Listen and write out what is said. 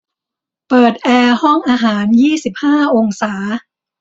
เปิดแอร์ห้องอาหารยี่สิบห้าองศา